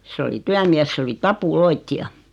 se oli työmies se oli tapuloitsija